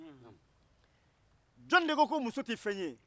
jɔnni de ko ko muso tɛ fɛn ye